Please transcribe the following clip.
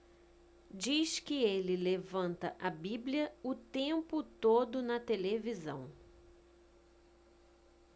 diz que ele levanta a bíblia o tempo todo na televisão